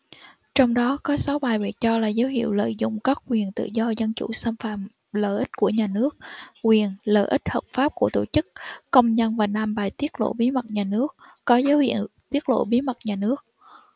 trong đó có sáu bài bị cho là có dấu hiệu lợi dụng các quyền tự do dân chủ xâm phạm lợi ích của nhà nước quyền lợi ích hợp pháp của tổ chức công dân và năm bài tiết lộ bí mật nhà nước có dấu hiệu tiết lộ bí mật nhà nước